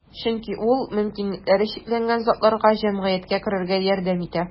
Чөнки ул мөмкинлекләре чикләнгән затларга җәмгыятькә керергә ярдәм итә.